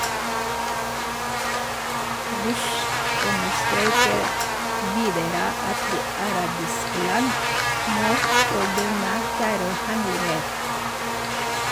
Bush understreker videre at de arabiske land må fordømme terrorhandlinger.